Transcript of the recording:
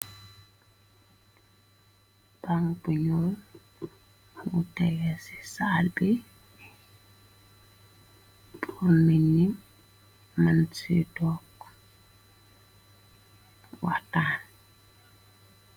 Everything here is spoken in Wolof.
Bang bu ñol wutege ci sal bi .Pornini mun ci tokk watan.